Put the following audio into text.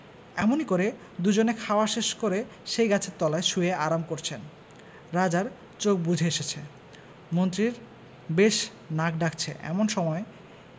এমনি করে দুজনে খাওয়া শেষ করে সেই গাছের তলায় শুয়ে আরাম করছেন রাজার চোখ বুজে এসেছে মন্ত্রীর বেশ নাক ডাকছে এমন সময়